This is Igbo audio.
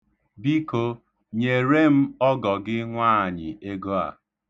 Biko nyere m ọgọ gị nwaanyị ego a.